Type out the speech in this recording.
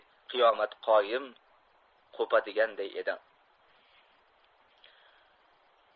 qiyomat qoyim qo'padiganday edi